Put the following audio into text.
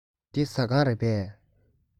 འདི ཟ ཁང རེད པས